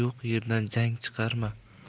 yo'q yerdan jang chiqarma